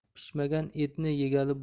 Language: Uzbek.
pishmagan etni yegali